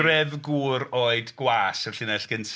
Greddf gwr oed gwas yw'r linell gynta.